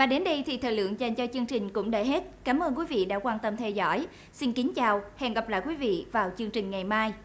và đến đây thì thời lượng dành cho chương trình cũng đã hết cảm ơn quý vị đã quan tâm theo dõi xin kính chào hẹn gặp lại quý vị vào chương trình ngày mai